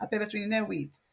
a be fedrwn ni newid.